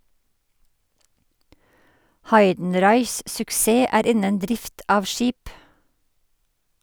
Heidenreichs suksess er innen drift av skip.